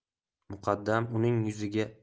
muqaddam uning yuziga